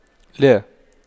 لا